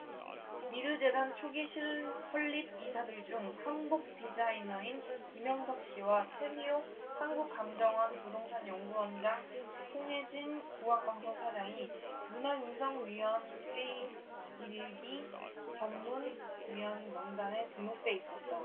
미르재단 초기 설립 이사들 중 한복디자이너인 김영석씨와 채미옥 한국감정원 부동산연구원장 송혜진 국악방송 사장이 문화융성위원회의 일 기 전문위원 명단에 등록돼 있었다